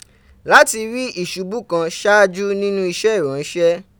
Lati ri isubu kan saaju ninu ise iranse.